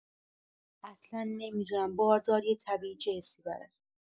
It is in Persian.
اصلا نمی‌دونم بارداری طبیعی چه حسی داره.